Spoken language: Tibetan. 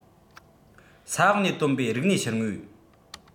ས འོག ནས བཏོན པའི རིག གནས ཤུལ དངོས